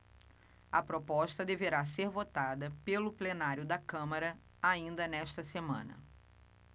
a proposta deverá ser votada pelo plenário da câmara ainda nesta semana